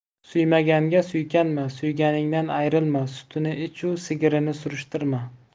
suymaganga suykanma suyganingdan ayrilma sutini ich u sigirini surishtirma